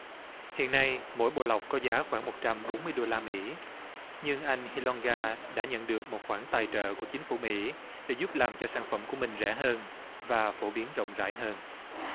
hiện nay mỗi bộ lọc có giá khoảng một trăm bốn mươi đô la mỹ nhưng anh hi loong ga đã nhận được một khoản tài trợ của chính phủ mỹ để giúp làm cho sản phẩm của mình rẻ hơn và phổ biến rộng rãi hơn